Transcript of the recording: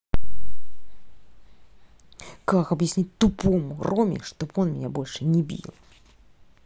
как объяснить тупому роме чтобы он меня больше не бил